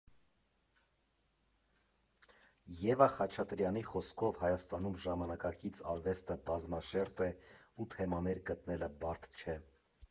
Եվա Խաչատրյանի խոսքով՝ Հայաստանում ժամանակակից արվեստը բազմաշերտ է ու թեմաներ գտնելը բարդ չէ.